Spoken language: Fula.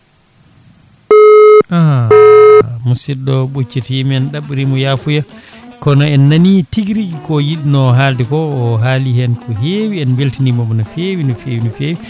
aah musidɗo ɓoccitima men en ɗaɓɓanimo yafuya kono en nani tigui rigui ko yinno haalde ko o haali hen ko heewi en beltinimomo no fewi no fewi no fewi